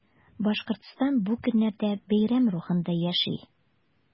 Башкортстан бу көннәрдә бәйрәм рухында яши.